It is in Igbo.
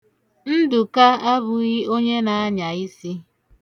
Ndụka abụghị onye na-anya isi.